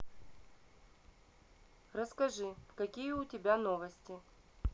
расскажи какие у тебя новости